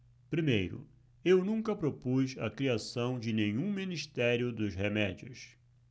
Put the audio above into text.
primeiro eu nunca propus a criação de nenhum ministério dos remédios